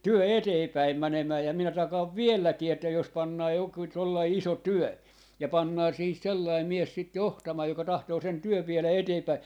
työ eteenpäin menemään ja minä takaan vieläkin että jos pannaan joku tuollainen iso työ ja pannaan siihen sellainen mies sitä johtamaan joka tahtoo sen työn vielä eteenpäin